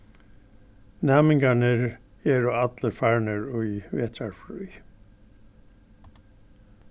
næmingarnir eru allir farnir í vetrarfrí